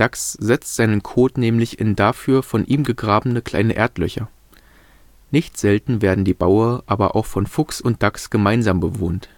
setzt seinen Kot nämlich in dafür von ihm gegrabene kleine Erdlöcher. Nicht selten werden die Baue aber auch von Fuchs und Dachs gemeinsam bewohnt